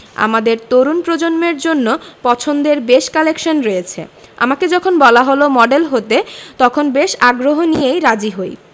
আমাদের তরুণ প্রজন্মের জন্য পছন্দের বেশ কালেকশন রয়েছে আমাকে যখন বলা হলো মডেল হতে তখন বেশ আগ্রহ নিয়েই রাজি হই